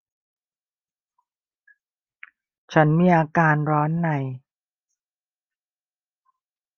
ฉันมีอาการร้อนใน